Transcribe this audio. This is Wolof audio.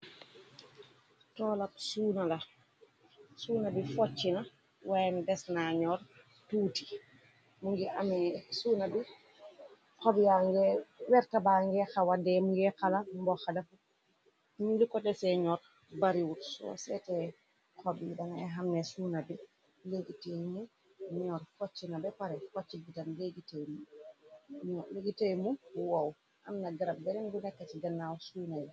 Tool ak suuna, suuna bi foccina wayen des na ñoor tuuti. Mu ngi amee suuna bi xob ya ngi wertaba ngee xawa deem nge xala mboxa dafu ni lu ko deseeñoor bariwur. Soo seete xob yi dangay xamne suuna bi legi ray mu ñoor foccina bepare focci butan legitee mu woow. Amna garab benen bu nekk ci gannaaw suuna yii.